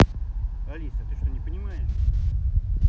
алиса ты что не понимаешь